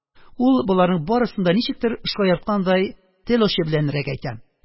– ул боларның барысын да, ничектер шаярткандай, тел очы беләнрәк әйтә